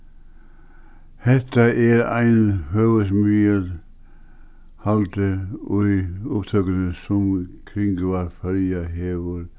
hetta er ein í upptøkuni sum kringvarp føroya hevur